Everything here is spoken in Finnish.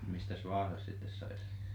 mistäs Vaasassa sitten sai sen